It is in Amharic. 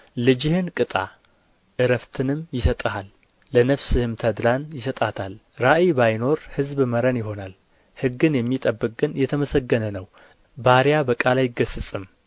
ልጅህን ቅጣ ዕረፍትንም ይሰጥሃል ለነፍስህም ተድላን ይሰጣታል ራእይ ባይኖር ሕዝብ መረን ይሆናል ሕግን የሚጠብቅ ግን የተመሰገነ ነው ባሪያ በቃል አይገሠጽም